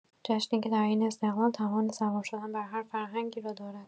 جشنی که در عین استقلال توان سوار شدن بر هر فرهنگی را دارد.